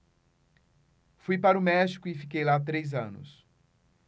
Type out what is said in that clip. fui para o méxico e fiquei lá três anos